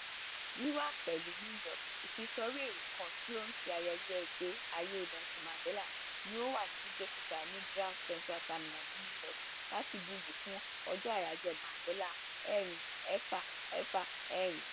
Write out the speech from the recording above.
Wíwà pẹ̀lú New York, ìfisórí ẹ̀rọ kan tí ó ń ṣe ayẹyẹ ìgbé ayé Nelson Mandela ni ó wà ní gbígbé síta ní Grand Central Terminal ní ìlú New York láti buyì fún ọjọ́ àyájọ́ Mandela 46664.